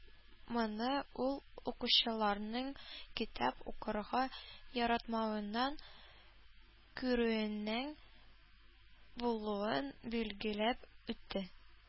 Моны ул укучыларның китап укырга яратмавыннан күрүеннән булуын билгеләп үтте.